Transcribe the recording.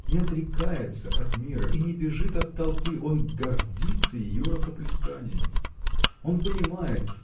не отрекается от мира и не бежит от толпы он гордится ее рукоплесканиями. Он понимает